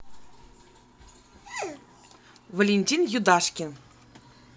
валентин юдашкин